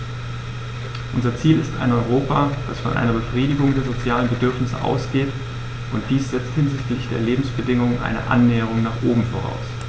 Unser Ziel ist ein Europa, das von einer Befriedigung der sozialen Bedürfnisse ausgeht, und dies setzt hinsichtlich der Lebensbedingungen eine Annäherung nach oben voraus.